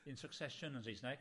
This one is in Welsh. In succession yn Saesneg.